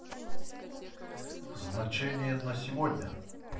значение на сегодня